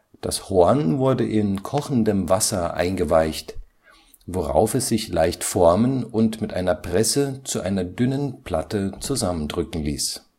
Das Horn wurde in kochendem Wasser eingeweicht, worauf es sich leicht formen und mit einer Presse zu einer dünnen Platte zusammendrücken ließ